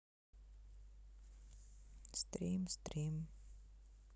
стрим стрим